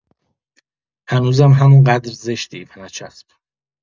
هنوزم همون قدر زشتی و نچسب.